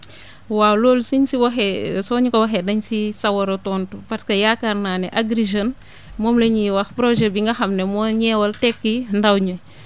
waaw loolu suñ si waxee soo ñu ko waxee dañ siy sawar a tontu parce que yaakaar naa ne Agri Jeunes moom la ñuy wax projet bi nga xam ne moo ñeewal tekki ndaw ñi